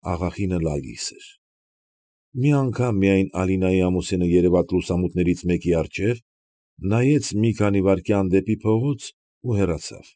Աղախինը լալիս էր։ Մի անգամ միայն Ալինայի ամուսինը երևաց լուսամուտներից մեկի առջև, նայեց մի քանի վայրկյան դեպի փողոց ու հեռացավ։